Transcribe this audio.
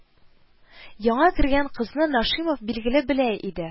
Яңа кергән кызны Нашимов, билгеле, белә иде